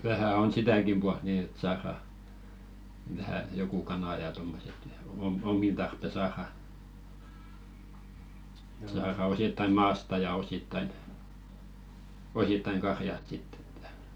vähän on sitäkin puolta niin että saadaan vähän joku kana ja tuommoiset ja - omiin tarpeen saadaan saadaan osittain maasta ja osittain osittain karjasta sitten että